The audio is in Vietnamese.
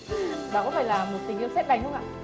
đó có phải là một tình yêu sét đánh không ạ